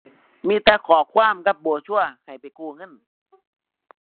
มีแต่ข้อความกับโบรชัวร์ให้ไปกู้เงิน